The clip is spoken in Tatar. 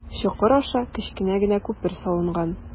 Чокыр аша кечкенә генә күпер салынган.